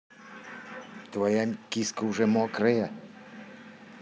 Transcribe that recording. твоя киска уже мокрая